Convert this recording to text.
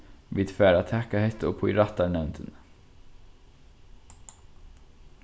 vit fara at taka hetta upp í rættarnevndini